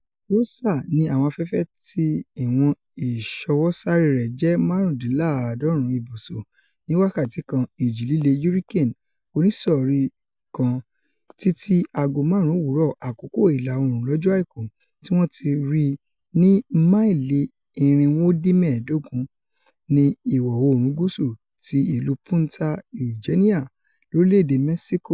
Rosa ní àwọn afẹ́fẹ́ tí ìwọn ìṣọwọ́sáré rẹ̀ jẹ́ máàrúndínláàádọ́ọ̀rún ìbùṣọ̀ ní wákàtí kan, Ìji-líle Hurricane Oníṣọ̀rí 1 kan, títí aago máàrún òwúrọ̀. Àkókò ìlà-oòrùn lọ́jọ́ Àìkú, tí wọn tí rí i ní máìlí irinwódínmẹ́ẹ̀dógún ní ìwọ̀-oòrùn gúúsù ti ìlú Punta Eugenia, lorílẹ̀-èdè Mẹ́ṣíkò.